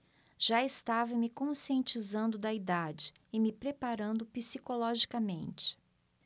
já estava me conscientizando da idade e me preparando psicologicamente